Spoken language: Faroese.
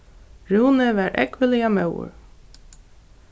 rúni var ógvuliga móður